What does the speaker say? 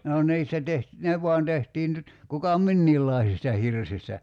no niistä - ne vain tehtiin nyt kuka minkäkinlaisista hirsistä